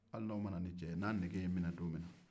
hali n'aw ma na ni cɛ ye n'a nege ye n minɛ don minna